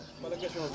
fa la question bi